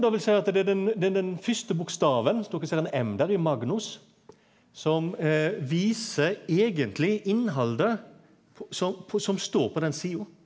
dvs. at det er den det er den fyrste bokstaven viss dokker ser ein M der i Magnus som viser eigentleg innhaldet på som på som står på den sida.